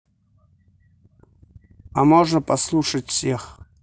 а можно послушать всех